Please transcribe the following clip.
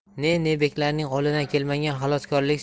ne ne beklarning qo'lidan kelmagan xaloskorlik